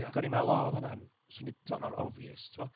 ac o'n i'n meddwl, o, oedd hwnna'n... 'swn i'n, timod oedd o'n obvious, tibod.